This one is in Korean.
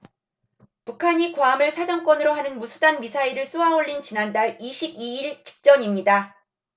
북한이 괌을 사정권으로 하는 무수단 미사일을 쏘아 올린 지난달 이십 이 일 직전입니다